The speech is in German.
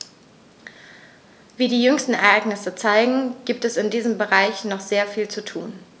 Wie die jüngsten Ereignisse zeigen, gibt es in diesem Bereich noch sehr viel zu tun.